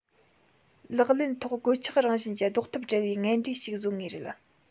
ལག ལེན ཐོག གོད ཆག རང བཞིན གྱི ཟློག ཐབས བྲལ བའི ངན འབྲས ཤིག བཟོ ངེས རེད